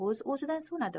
o'z o'zidan so'nadi